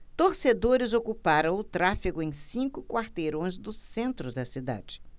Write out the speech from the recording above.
torcedores ocuparam o tráfego em cinco quarteirões do centro da cidade